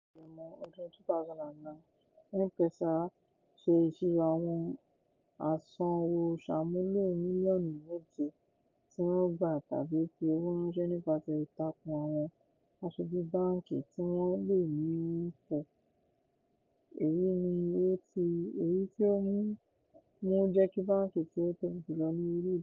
Ní oṣù Agẹmọ ọdún 2009 M-Pesa ṣe ìṣirò àwọn aṣanwóṣàmúlò mílíọ̀nù méje, tí wọ́n gbà tàbí fi owó ránṣẹ́ nípasẹ̀ ìtakùn àwọn aṣojú báǹkì tí wọ́n lé ní 1400, èyí tí ó mú u jẹ́ báǹkì tí ó tóbi jùlọ ní orílẹ̀-èdè náà.